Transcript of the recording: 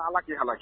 Ala k' ala